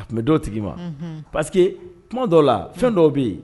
A tun bɛ don tigi ma parce que kuma dɔw la fɛn dɔw bɛ yen